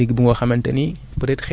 léegi compostage boobu noonu